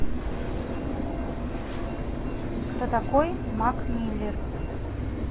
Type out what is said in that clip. кто такой mac miller